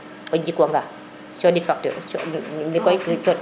o jik wanga coxid facture mikoy coxtim